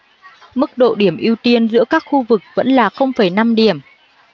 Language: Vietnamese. mức độ điểm ưu tiên giữa các khu vực vẫn là không phẩy năm điểm